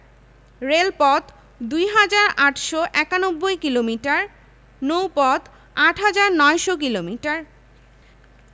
২০০৯ ১০ অর্থবছরে বাংলাদেশ রপ্তানি করেছে ১৬দশমিক ২ বিলিয়ন মার্কিন ডলার এবং আমদানি করেছে ২৩দশমিক সাত চার বিলিয়ন মার্কিন ডলার